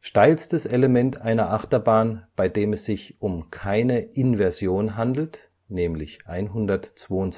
steilstes Element einer Achterbahn, bei dem es sich um keine Inversion handelt (122°